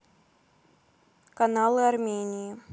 каналы армении